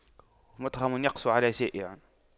مُتْخَمٌ يقسو على جائع